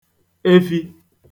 efi